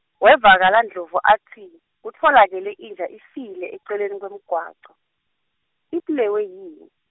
Wevakala Ndlovu atsi, kutfolakele inja ifile eceleni kwemgwaco, Ibulewe yini?